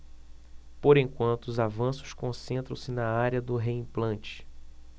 por enquanto os avanços concentram-se na área do reimplante